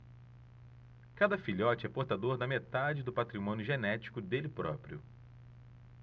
cada filhote é portador da metade do patrimônio genético dele próprio